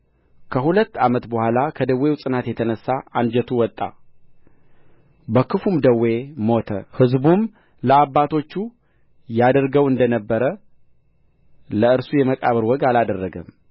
ከሁለት ዓመት በኋላ ከደዌው ጽናት የተነሣ አንጀቱ ወጣ በክፉም ደዌ ሞተ ሕዝቡም ለአባቶቹ ያደርገው እንደ ነበር ለእርሱ የመቃብር ወግ አላደረገም